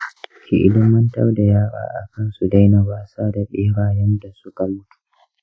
ki ilimantar da yara akan su daina wasa da berayen da suka mutu.